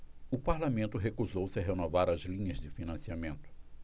o parlamento recusou-se a renovar as linhas de financiamento